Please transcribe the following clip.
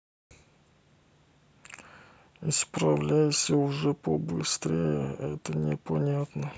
исправляйся уже побыстрее это непонятно